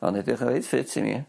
O'n edrych yn reit ffit i mi.